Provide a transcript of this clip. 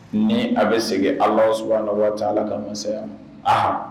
Ne a bɛ segin ala s a la waati ala ka masaya la